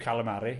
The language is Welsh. Calamari.